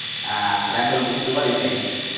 à lan hương cũng chưa có điểm miệng